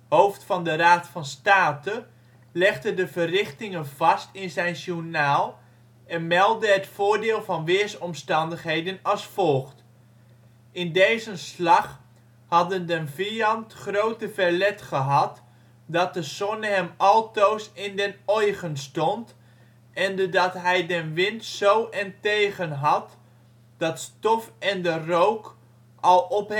hoofd van de Raad van State, legde de verrichtingen vast in zijn journaal en meldde het voordeel van weersomstandigheden als volgt: " In desen slach hadden den viant groot verlet gehadt, dat de sonne hem altoos in den oigen stont, ende dat hij den wint so en tegen hadde, dat stof ende roock al op